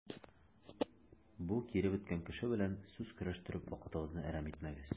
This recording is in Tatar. Бу киребеткән кеше белән сүз көрәштереп вакытыгызны әрәм итмәгез.